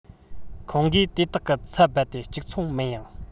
ཁོང གིས དེ དག གི ཚང རྦད དེ གཅིག མཚུངས མིན ཡང